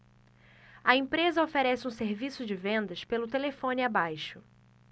a empresa oferece um serviço de vendas pelo telefone abaixo